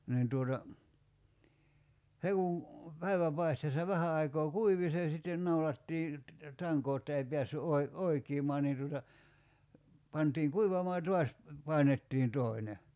niin tuota se kun päivänpaisteessa vähän aikaa kuivui se sitten naulattiin tankoon jotta ei päässyt - oikenemaan niin tuota pantiin kuivamaan ja taas painettiin toinen